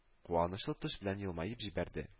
Куанычлы төс белән елмаеп җибәрде